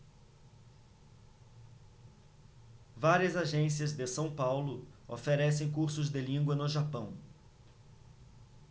várias agências de são paulo oferecem cursos de língua no japão